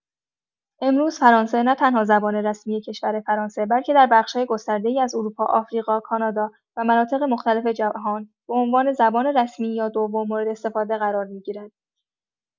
امروز فرانسه نه‌تنها زبان رسمی کشور فرانسه، بلکه در بخش‌های گسترده‌ای از اروپا، آفریقا، کانادا و مناطق مختلف جهان به عنوان زبان رسمی یا دوم مورداستفاده قرار می‌گیرد.